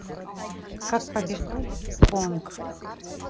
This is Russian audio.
как побеждать в бирпонг